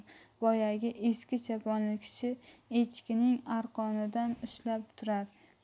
boyagi eski choponli kishi echkining arqonidan ushlab turar